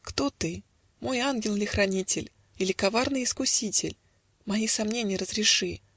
Кто ты, мой ангел ли хранитель, Или коварный искуситель: Мои сомненья разреши.